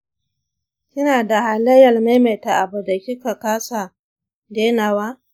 kina da halayyar maimaita abu da ki ka kasa dai na wa ?